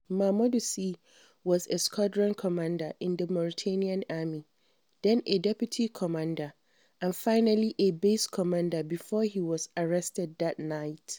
Mamadou Sy was a squadron commander in the Mauritanian army, then a deputy commander and finally a base commander before he was arrested that night.